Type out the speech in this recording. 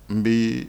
N bi